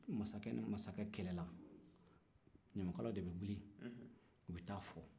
ni mankɛ ni mankɛ kɛlɛla ɲamakalaw de bɛ wili u bɛ taa fɔ